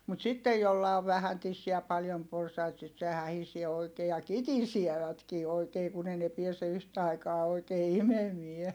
mutta sitten jolla on vähän tissiä ja paljon porsaita sitten se hähisee oikein ja kitisevätkin oikein kun ei ne pääse yhtä aikaa oikein imemään